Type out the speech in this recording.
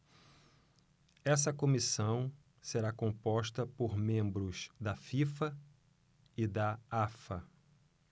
essa comissão será composta por membros da fifa e da afa